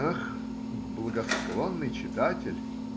Ах, благосклонный читатель!